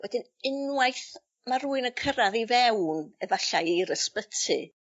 Wedyn unwaith ma' rhywun yn cyrradd i fewn efallai i'r ysbyty